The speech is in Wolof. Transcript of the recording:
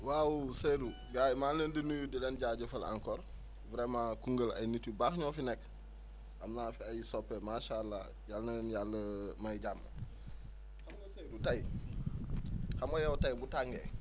waaw Seydou gars yi maa ngi leen di nuyu di leen jaajëfal encore vraiment Koungheul ay nit yu baax ñoo fi nekk am naa fi ay soppe macha allah yal na leen yàlla may jàmm xam nga Seydou tey xam nga yow tey bu tàngee